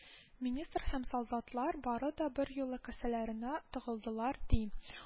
Министр һәм солдатлар бары да берьюлы кесәләренә тыгылдылар, ди